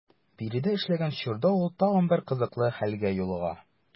Биредә эшләгән чорда ул тагын бер кызыклы хәлгә юлыга.